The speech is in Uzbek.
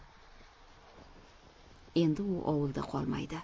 endi u ovulda qolmaydi